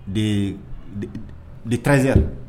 Ee de 13 heures